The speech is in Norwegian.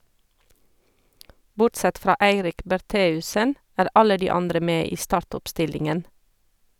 - Bortsett fra Eirik Bertheussen er alle de andre med i startoppstillingen.